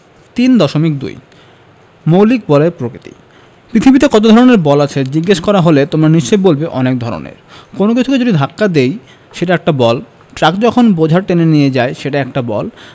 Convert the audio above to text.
3.2 মৌলিক বলের প্রকৃতিঃ পৃথিবীতে কত ধরনের বল আছে জিজ্ঞেস করা হলে তোমরা নিশ্চয়ই বলবে অনেক ধরনের কোনো কিছুকে যদি ধাক্কা দিই সেটা একটা বল ট্রাক যখন বোঝা টেনে নিয়ে যায় সেটা একটা বল